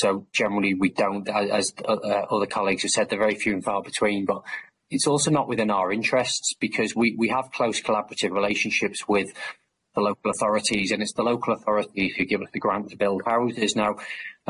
So generally we don't as other colleagues have said they're very few and far between but it's also not within our interests because we we have close collaborative relationships with the local authorities and it's the local authority who give us the grant to build houses now,